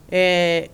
Ɛɛ